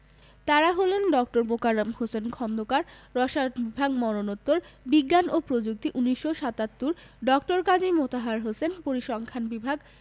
তাঁরা হলেন ড. মোকাররম হোসেন খন্দকার রসায়ন বিভাগ মরণোত্তর বিজ্ঞান ও প্রযুক্তি ১৯৭৭ ড. কাজী মোতাহার হোসেন পরিসংখ্যান বিভাগ